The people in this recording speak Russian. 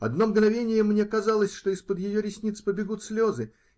Одно мгновение мне казалось, что из-под ее ресниц побегут слезы